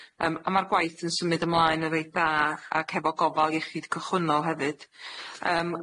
Yym, a ma'r gwaith yn symud ymlaen yn reit dda, ac hefo gofal iechyd cychwynnol hefyd. Yym.